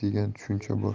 degan tushuncha bor